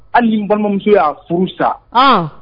An ni balimamuso y'a furu san h